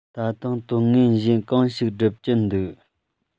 ད དུང དོན ངན གཞན གང ཞིག སྒྲུབ ཀྱིན འདུག